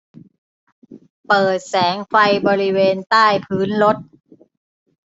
เปิดแสงไฟบริเวณใต้พื้นรถ